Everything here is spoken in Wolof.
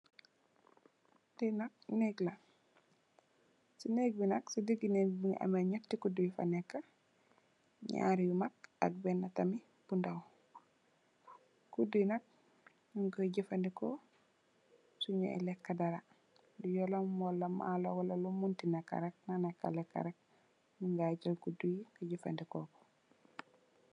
Lii nak neeg la, neeg bi nak, Ci diggë neeg bi mu ngi am ñatti kuddu, ñarri nak ak bennë bu ndaw. Kuddu nak, ñung kooy jafendeko su ñooy leekë dara, maalo wala Lum Manta nekke rek.